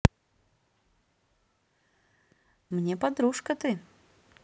мне подружка ты